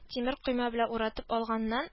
Тимер койма белән уратып алганнан